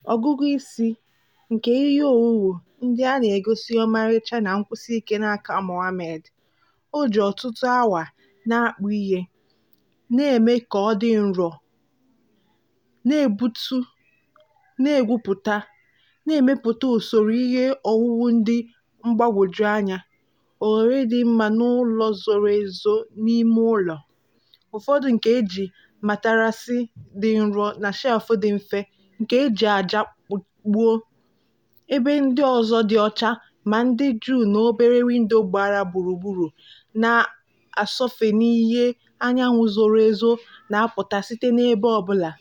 Ọgụgụ isi nke ihe owuwu ndị a na-egosi ọmarịcha na nkwụsi ike nke aka Mohammed - o ji ọtụtụ awa na-akpụ ihe, na-eme ka ọ dị nro, na-egbutu, na-egwupụta, na-emepụta usoro ihe owuwu dị mgbagwoju anya, oghere dị mma na ụlọ zoro ezo n'ime ụlọ, ụfọdụ nke e ji matarasị dị nro na shelf dị mfe nke e ji ájá kpụọ, ebe ndị ọzọ dị ọcha ma dị jụụ na obere windo gbara gburugburu na-asọfe na ìhè anyanwụ zoro ezo na-apụta site na ebe ọ bụla.